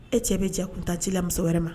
E cɛ bɛ cɛ kun ta ci la muso wɛrɛ ma